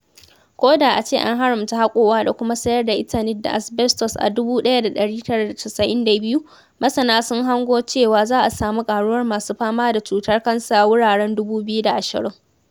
Ko da ace an haramta haƙowa da kuma sayar da Eternit da asbestos a 1992, masana sun hango cewa za a samu ƙaruwar masu fama da cutar kansa wuraren 2020.